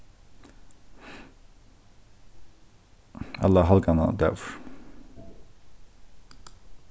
allahalgannadagur